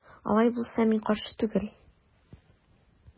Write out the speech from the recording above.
Алай булса мин каршы түгел.